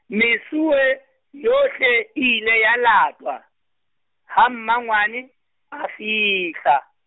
mesuwe yohle e ile ya latwa, ha mmangwane, a fihla.